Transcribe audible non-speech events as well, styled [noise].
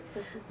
[hesitation] [hesitation]